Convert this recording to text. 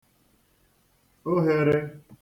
ohērē